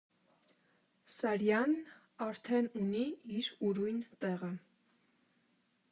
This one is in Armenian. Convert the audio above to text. Սարյանն արդեն ունի իր ուրույն տեղը.